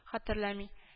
Хәтерләми